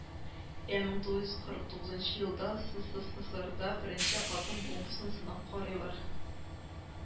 Ә мең тугыз йөз кырык тугызынчы елда эСэСэСэРда беренче атом бомбасын сынап карыйлар